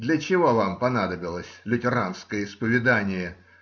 Для чего вам понадобилось лютеранское исповедание?